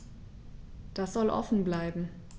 Das soll offen bleiben.